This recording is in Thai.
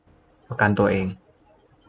ประกันตัวเอง